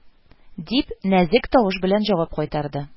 Дип, нәзек тавыш белән җавап кайтарды